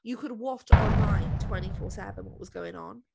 you could watch online, 24-7, what was going on.